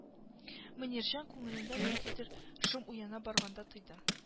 Мөнирҗан күңелендә ниндидер шом уяна барганда тойды